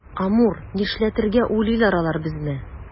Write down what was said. Амур, нишләтергә уйлыйлар алар безне?